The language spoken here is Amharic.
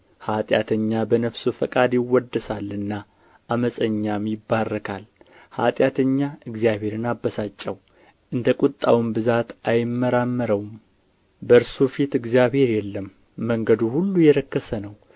ኃጢአተኛ በነፍሱ ፈቃድ ይወደሳልና ዓመፀኛም ይባርካል ኃጢአተኛ እግዚአብሔርን አበሳጨው እንደ ቍጣውም ብዛት አይመራመረውም በእርሱ ፊት እግዚአብሔር የለም መንገዱ ሁሉ የረከሰ ነው